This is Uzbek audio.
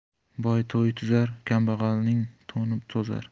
boy to'y tuzar kambag'alning to'ni to'zar